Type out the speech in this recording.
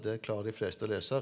det klarer de fleste å lese.